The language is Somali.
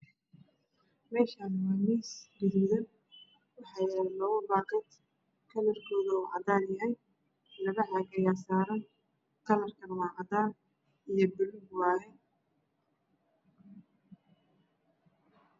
Meeshaani waa miis guduud waxaa yaalo labo baakad kalarkooda cadaan yahay labo caag ayaa saaran kalrakana waa cadaan iyo buluug waaye